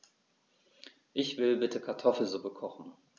Ich will bitte Kartoffelsuppe kochen.